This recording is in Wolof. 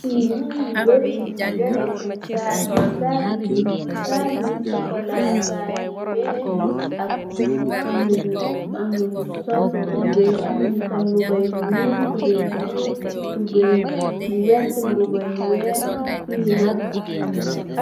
Fii ñiñu bare nyingi yore sen sag yi, sag yu nyuul, say yu sokola, sag yu weex, amna nyu sol tubay, amna nyu sol mbubu yu nyuul, tubay yu nyuul, tubay bu werta, mbuba yu weex, fi nak